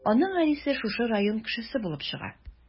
Аның әнисе шушы район кешесе булып чыга.